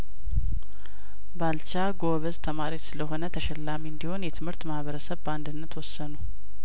ባልቻ ጐበዝ ተማሪ ስለሆነ ተሸላሚ እንዲሆን የትምህርት ማህበረሰብ በአንድነት ወሰኑ